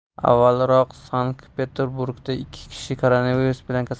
avvalroq sankt peterburgda ikki kishi koronavirus bilan